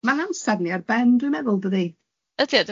Ma'n amsar ni ar ben dwi'n meddwl dydi?